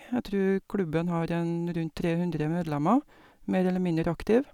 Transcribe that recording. Jeg trur klubben har en rundt tre hundre medlemmer, mer eller mindre aktiv.